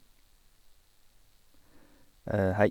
Hei.